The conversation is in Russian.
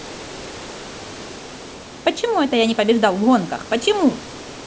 почему это я не побеждал в гонках почему